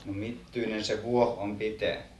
no mittyinen se vuohi on pitää